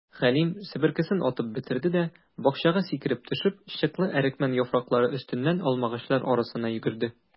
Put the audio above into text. Хәлим, себеркесен атып бәрде дә, бакчага сикереп төшеп, чыклы әрекмән яфраклары өстеннән алмагачлар арасына йөгерде.